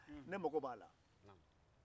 ne mago b'a la